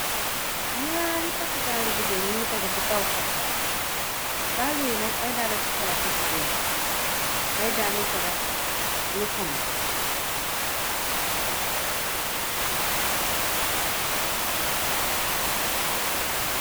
Ñaari pat dallu jigéen yi ngi tégé ci kaw karu, dall yi nak ay dallu charah yi jigéen ay dallu charah yu honku.